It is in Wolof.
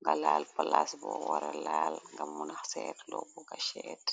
nga laal plas bo wara laal nga munax seet lo buga sheet.